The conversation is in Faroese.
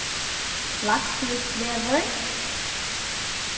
klaksvíksvegur